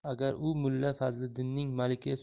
agar u mulla fazliddinning malika